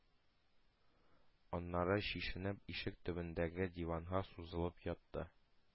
Аннары, чишенеп ишек төбендәге диванга сузылып ятты.